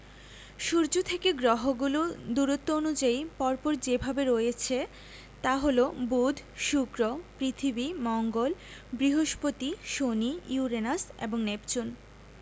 সূর্য থেকে গ্রহগুলো দূরত্ব অনুযায়ী পর পর যেভাবে রয়েছে তা হলো বুধ শুক্র পৃথিবী মঙ্গল বৃহস্পতি শনি ইউরেনাস এবং নেপচুন